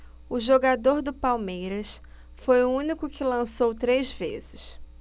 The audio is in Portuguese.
o jogador do palmeiras foi o único que lançou três vezes